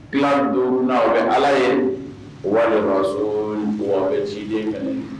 Ki don na o bɛ ala ye walima ma so mɔgɔ bɛ ciden kan